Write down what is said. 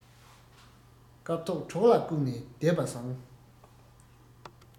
སྐབས ཐོག གྲོགས ལ བཀུག ནས བསྡད པ བཟང